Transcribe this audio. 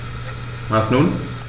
Und nun?